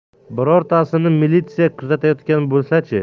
birontasini militsiya kuzatayotgan bulsa chi